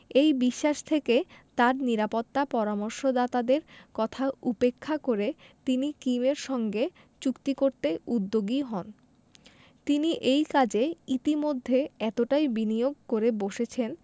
এই বিশ্বাস থেকে তাঁর নিরাপত্তা পরামর্শদাতাদের কথা উপেক্ষা করে তিনি কিমের সঙ্গে চুক্তি করতে উদ্যোগী হন তিনি এই কাজে ইতিমধ্যে এতটাই বিনিয়োগ করে বসেছেন